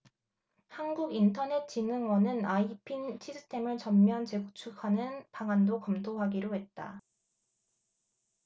한국인터넷진흥원은 아이핀 시스템을 전면 재구축하는 방안도 검토하기로 했다